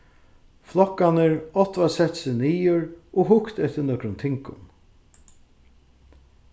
flokkarnir áttu at sett seg niður og hugt eftir nøkrum tingum